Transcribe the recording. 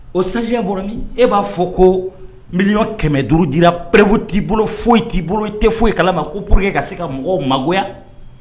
O sajiyaɔrɔnin e b'a fɔ ko mi kɛmɛ duuru dira pbu t'i bolo foyi t'i bolo i tɛ foyi kala ma ko pur que ka se ka mɔgɔw magoya